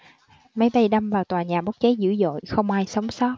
máy bay đâm vào tòa nhà bốc cháy dữ dội không ai sống sót